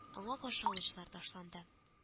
Аңа каршы алучылар ташланды